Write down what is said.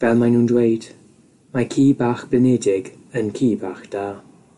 Fel mae nhw'n dweud, mae ci bach blinedig yn ci bach da.